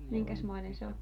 minkäsmoinen se on